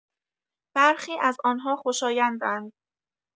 برخی از آن‌ها خوشایندند.